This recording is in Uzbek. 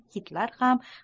kitlar ham